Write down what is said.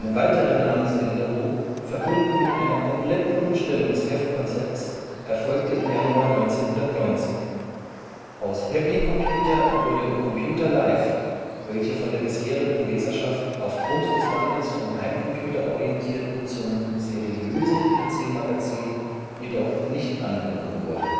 weitere Namensänderung, verbunden mit einer kompletten Umstellung des Heftkonzepts, erfolgte im Januar 1990: Aus Happy Computer wurde Computer Live, welche von der bisherigen Leserschaft aufgrund des Wandels vom Heimcomputer-orientierten zum „ seriösen “PC-Magazin jedoch nicht angenommen wurde